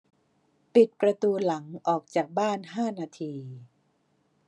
ปิดประตูหลังออกจากบ้านห้านาที